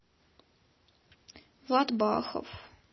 влад бахов